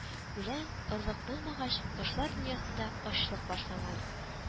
Үлән, орлык булмагач, кошлар дөньясында ачлык башланган